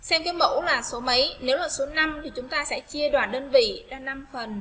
xem cái mẫu là số mấy nếu là số năm thì chúng ta phải chia đoạn đơn vị đem phần